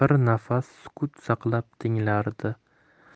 bir nafas sukut saqlab tinglardi